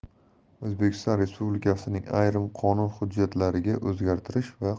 o'zbekiston respublikasining ayrim qonun hujjatlariga o'zgartish va